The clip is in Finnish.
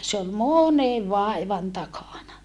se oli monen vaivan takana